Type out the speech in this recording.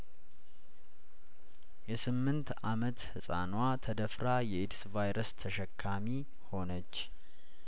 የስምንት አመት ህጻኗ ተደፍራ የኤድስ ቫይረስ ተሸካሚ ሆነች